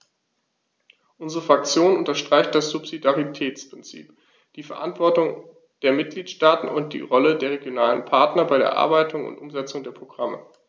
Unsere Fraktion unterstreicht das Subsidiaritätsprinzip, die Verantwortung der Mitgliedstaaten und die Rolle der regionalen Partner bei der Erarbeitung und Umsetzung der Programme.